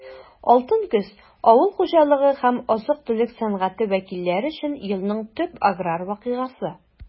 «алтын көз» - авыл хуҗалыгы һәм азык-төлек сәнәгате вәкилләре өчен елның төп аграр вакыйгасы.